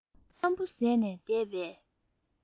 ཁམ བུ ཟས ནས བསྡད པའི